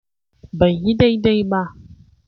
Bai Yi Daida Ba